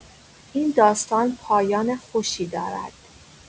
این داستان پایان خوشی دارد.